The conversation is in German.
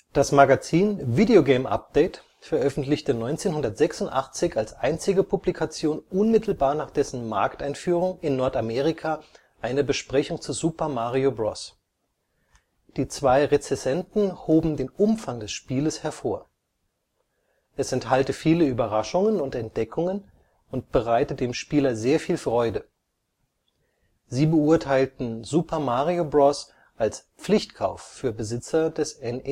Das Magazin Video Game Update veröffentlichte 1986 als einzige Publikation unmittelbar nach dessen Markteinführung in Nordamerika eine Besprechung zu Super Mario Bros. Die zwei Rezensenten hoben den Umfang des Spiels hervor. Es enthalte viele Überraschungen und Entdeckungen und bereite dem Spieler sehr viel Freude. Sie beurteilten Super Mario Bros. als Pflichtkauf für Besitzer des NES